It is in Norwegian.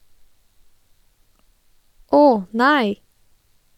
Åh nei.